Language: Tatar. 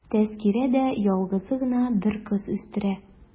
Тәзкирә дә ялгызы гына бер кыз үстерә.